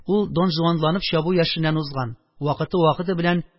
Ул донжуанланып чабу яшеннән узган, вакыты-вакыты белән